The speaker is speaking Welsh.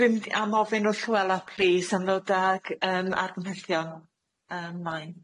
Dwi'n am ofyn wrth Llywela plîs ymddod ag yym argymhellion yym mlaen.